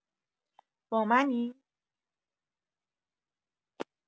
با منی؟